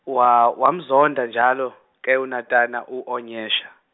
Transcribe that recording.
wa- wamzonda njalo, ke uNatana u Onyesha.